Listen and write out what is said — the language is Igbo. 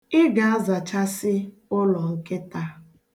Ị ga-azachasị ụlọnkịta.